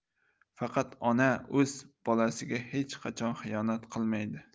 faqat ona o'z bolasiga hech qachon xiyonat qilmaydi